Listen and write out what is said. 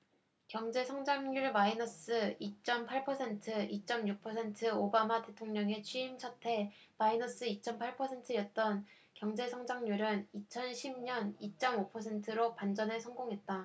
경제성장률 마이너스 이 쩜 팔 퍼센트 이 쩜 육 퍼센트 오바마 대통령의 취임 첫해 마이너스 이 쩜 팔 퍼센트였던 경제 성장률은 이천 십 년 이 쩜 오 퍼센트로 반전에 성공했다